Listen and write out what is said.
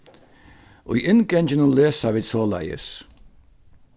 í innganginum lesa vit soleiðis